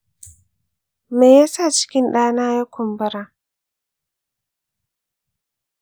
meyasa cikin dana ya kumbura?